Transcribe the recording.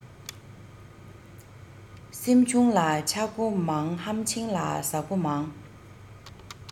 སེམས ཆུང ལ ཆགས སྒོ མང ཧམ ཆེན ལ ཟ སྒོ མང